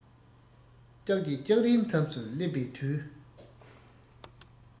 ལྕགས ཀྱི ལྕགས རིའི མཚམས སུ སླེབས པའི དུས